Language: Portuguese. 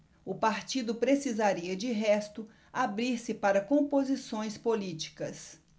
o partido precisaria de resto abrir-se para composições políticas